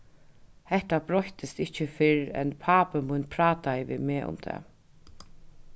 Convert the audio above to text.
hetta broyttist ikki fyrr enn pápi mín prátaði við meg um tað